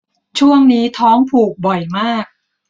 ช่วงนี้ท้องผูกบ่อยมาก